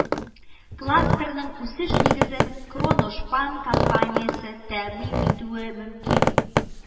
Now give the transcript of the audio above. Кластерның үсеш нигезен Кроношпан компаниясе тәэмин итүе мөмкин